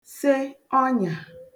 se ọnyà